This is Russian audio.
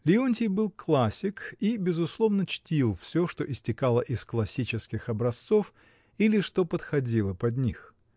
Леонтий был классик и безусловно чтил всё, что истекало из классических образцов или что подходило под них.